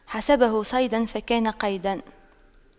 حسبه صيدا فكان قيدا